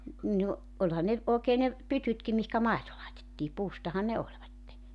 niin no olihan ne oikein ne pytytkin mihinkä maito laitettiin puustahan ne olivat